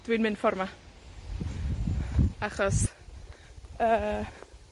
dwi'n mynd ffor' 'ma, achos yy,